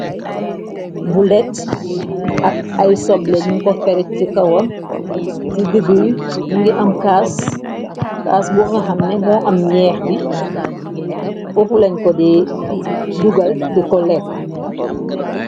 Bulet ak ay soble ñun ko ferit ci kawam ci digguy mu ngi am caas cass bo xamne moo am ñeex bi fufu len ko de dugal di ko leeka.